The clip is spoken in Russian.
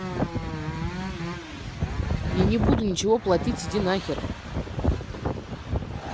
я не буду ничего платить иди нахер